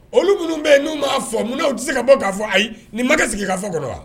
Olu minnu bɛ yen n b'a fɔ n'aw tɛ se ka bɔ k'a fɔ ayi nin ma ka sigi k'a fɔ kɔnɔ wa